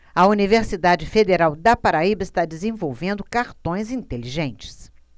a universidade federal da paraíba está desenvolvendo cartões inteligentes